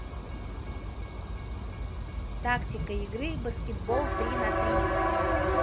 тактика игры баскетбол три на три